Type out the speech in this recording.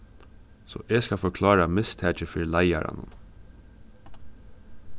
so eg skal forklára mistakið fyri leiðaranum